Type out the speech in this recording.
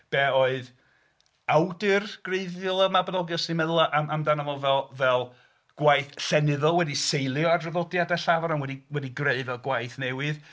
..be oedd awdur gwreiddiol y Mabinogi, os ti'n meddwl amdano fo fel fel gwaith llenyddol wedi seilio ar draddodiadau llafar a wedi wedi greu fel gwaith newydd...